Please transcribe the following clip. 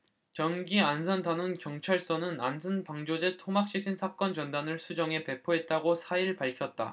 경기 안산단원경찰서는 안산 방조제 토막시신 사건 전단을 수정해 배포했다고 사 일 밝혔다